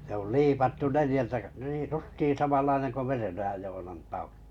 se oli liipattu neljältä - niin justiin samanlainen kuin Merenojan Joonan taulu